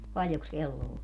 paljonkos kello on